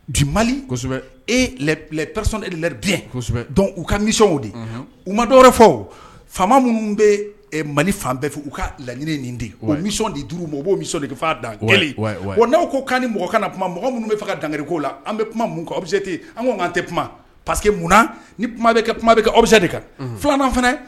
Bi mali elɛ palɛ u ka nisɔnsɔnw de u ma dɔw fɔ faama minnu bɛ mali fan bɛɛ fɛ u ka laɲiniinɛ nin den wa mi de duuru mɔgɔ b' misɔn de' dan kelen wa n'aw ko kan ni mɔgɔ kana na kuma mɔgɔ minnu bɛ fɔ ka dangko la an bɛ kuma min kan bɛ se ten an ko an tɛ kuma pa parce que munna ni kuma bɛ kɛ awbi se de kan filanan fana